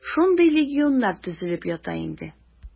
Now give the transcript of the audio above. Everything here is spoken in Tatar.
Шундый легионнар төзелеп ята инде.